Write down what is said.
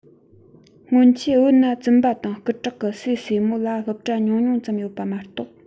སྔོན ཆད བོད ན བཙུན པ དང སྐུ དྲག གི སྲས སྲས མོ ལ སློབ གྲྭ ཉུང ཉུང ཙམ ཡོད པ མ གཏོགས